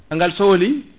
a ngal sohli